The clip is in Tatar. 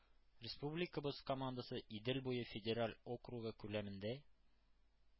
Республикабыз командасы Идел буе федераль округы күләмендә